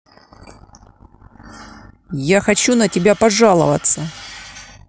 я хочу на тебя пожаловаться